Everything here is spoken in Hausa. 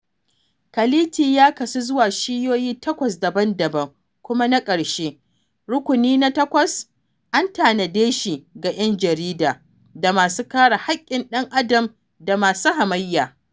Kality ya kasu zuwa shiyyoyi takwas daban-daban, kuma na ƙarshe — Rukuni na takwas — an tanade shi ga ‘yan jarida, da masu kare haƙƙin ɗan Adam, da masu hamayya.